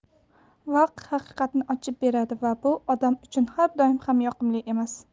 vaqt haqiqatni ochib beradi va bu odam uchun har doim ham yoqimli emas